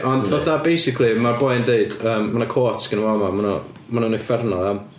Ond fatha basically, ma' boi'n deud yym ma' 'na quote ganddo fo fama ma' nhw'n ma' nhw'n uffernol iawn.